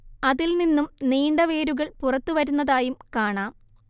അതിൽ നിന്നും നീണ്ട വേരുകൾ പുറത്തു വരുന്നതായും കാണാം